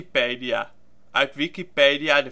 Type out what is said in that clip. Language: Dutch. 005.jpg Jimbo Wales is de initiatiefnemer van Wikipedia Wikipedia